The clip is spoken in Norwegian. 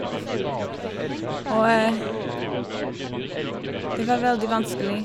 Og det var veldig vanskelig.